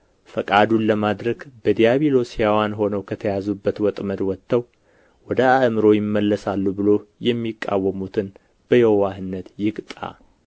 ፈቃዱን ለማድረግ በዲያብሎስ ሕያዋን ሆነው ከተያዙበት ወጥመድ ወጥተው ወደ አእምሮ ይመለሳሉ ብሎ የሚቃወሙትን በየዋህነት ይቅጣ